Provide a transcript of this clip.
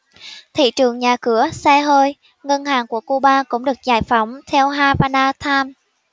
thị trường nhà cửa xe hơi ngân hàng của cuba cũng được giải phóng theo havana times